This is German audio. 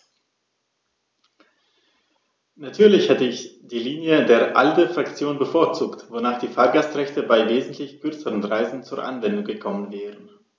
Natürlich hätte ich die Linie der ALDE-Fraktion bevorzugt, wonach die Fahrgastrechte bei wesentlich kürzeren Reisen zur Anwendung gekommen wären.